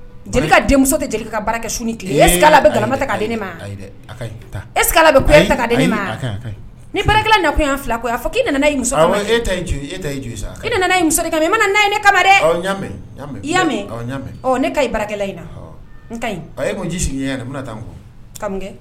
Jeli ka denmuso tɛ jeli ka bara sun na yan ko yan fɔ e